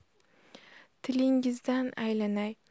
tilingizdan aylanay